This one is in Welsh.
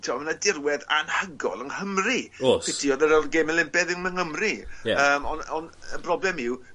t'o' ma' 'naa dirwedd anhagol yng Nghymru. O's. Piti odd yr Ol- geme Lympe ddim yng Nghymru. Ie. Yym on' on' y broblem yw